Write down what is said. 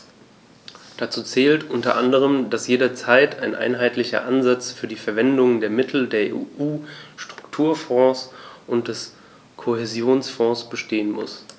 Dazu zählt u. a., dass jederzeit ein einheitlicher Ansatz für die Verwendung der Mittel der EU-Strukturfonds und des Kohäsionsfonds bestehen muss.